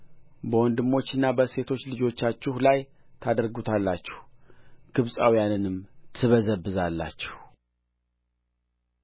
በወንዶችና በሴቶች ልጆቻችሁ ላይ ታደርጉታላችሁ ግብፃውያንንም ትበዘብዛላችሁ